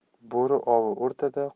bo'ri ovi o'rtada